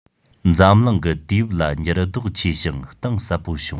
འཛམ གླིང གི དུས བབ ལ འགྱུར ལྡོག ཆེ ཞིང གཏིང ཟབ པོ བྱུང